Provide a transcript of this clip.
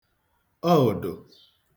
ọụ̀dụ̀